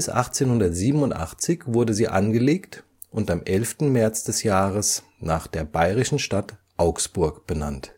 1887 wurde sie angelegt und am 11. März des Jahres nach der bayerischen Stadt Augsburg benannt